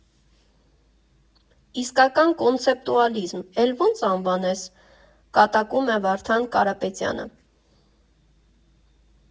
Իսկակա՜ն կոնցեպտուալիզմ, էլ ո՞նց անվանես», ֊ կատակում է Վարդան Կարապետյանը։